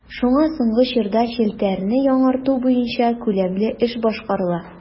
Шуңа соңгы чорда челтәрне яңарту буенча күләмле эш башкарыла.